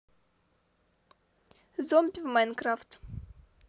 зомби в майнкрафт